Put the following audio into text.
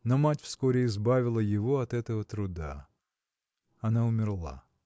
Но мать вскоре избавила его от этого труда: она умерла.